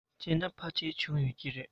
བྱས ན ཕལ ཆེར བྱུང ཡོད ཀྱི རེད